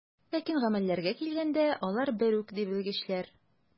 Ләкин гамәлләргә килгәндә, алар бер үк, ди белгечләр.